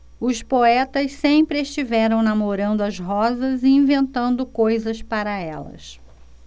os poetas sempre estiveram namorando as rosas e inventando coisas para elas